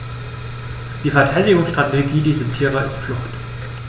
Die Verteidigungsstrategie dieser Tiere ist Flucht.